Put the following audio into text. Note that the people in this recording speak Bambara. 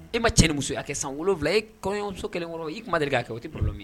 I ma cɛ ni muso a kɛ sanwula e kɔmuso kelen i kuma ma deli de' kɛ o tɛlɔ min